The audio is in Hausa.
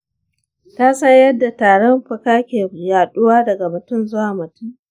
ka san yadda tarin fuka ke yaɗuwa daga mutum zuwa mutum?